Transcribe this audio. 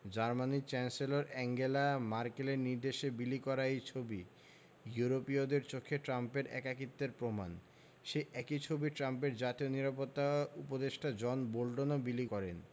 জার্মানির chancellor Angela ম্যার্কেলের নির্দেশে বিলি করা এই ছবি ইউরোপীয়দের চোখে ট্রাম্পের একাকিত্বের প্রমাণ সেই একই ছবি ট্রাম্পের জাতীয় নিরাপত্তা উপদেষ্টা জন বোল্টনও বিলি করেন